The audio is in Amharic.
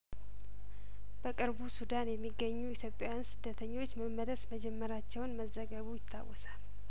በቅርቡ ሱዳን የሚገኙ ኢትዮጵያውያን ስደተኞች መመለስ መጀመራቸውን መዘገቡ ይታወሳል